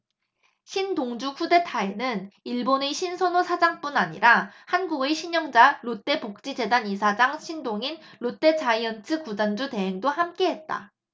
신동주 쿠데타에는 일본의 신선호 사장뿐 아니라 한국의 신영자 롯데복지재단 이사장 신동인 롯데자이언츠 구단주 대행도 함께했다